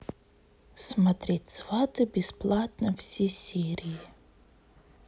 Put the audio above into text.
смотреть сваты бесплатно все серии